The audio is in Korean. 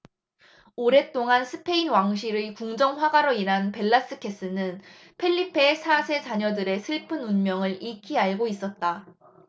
오랫동안 스페인 왕실의 궁정화가로 일한 벨라스케스는 펠리페 사 세 자녀들의 슬픈 운명을 익히 알고 있었다